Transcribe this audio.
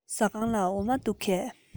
ཟ ཁང ལ འོ མ འདུག གས